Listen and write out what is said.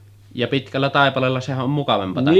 ja pitkällä taipaleella sehän on mukavampaa